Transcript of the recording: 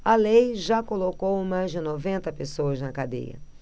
a lei já colocou mais de noventa pessoas na cadeia